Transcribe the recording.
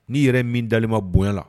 Nii yɛrɛ min dalen ma bonya la